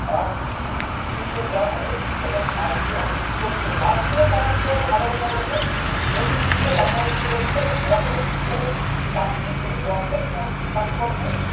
তিনজন জার্মানির এবং একজন সোভিয়েত ইউনিয়নের নাজমুল মাতুব্বর ভালো কথা বলেছেন হেনরি কিসিঞ্জার বাংলাদেশ কে বলেছিল বটমলেস কান্ট্রি উনি বটমলেস কান্ট্রি বলেন নাই